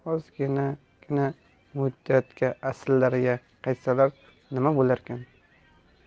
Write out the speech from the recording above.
ham ozginagina muddatga asllariga qaytsalar nima bo'larkin